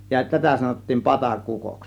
ja tätä sanottiin patakukoksi